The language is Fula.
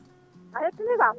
a heptini kam